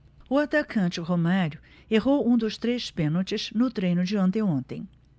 o atacante romário errou um dos três pênaltis no treino de anteontem